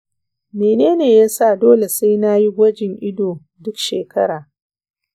mene yasa dole sai nayi gwajin ido duk shekara?